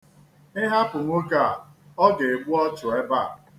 I hapụ nwoke a, ọ ga-egbu ọchụ ebe a.